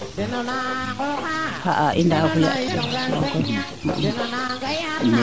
xa'a i ndaawa fule attestation koy